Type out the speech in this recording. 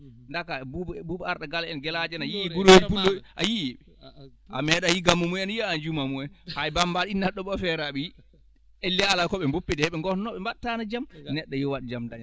Daka e Boubou Arɗo Gualo en Guéladio en a yii pullo a yii a meeɗa yii gammu mumen yiina juuma mumen hay mbambaɗo inna ɗooɓo feere mbaɓa yii elle alaa ko ɓe ngoppide de wonno ɓe mbattaano jam neɗɗo yo waɗ jam